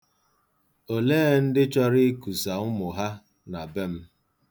Olee ndị chọrọ ikusa ụmụ ha na be m?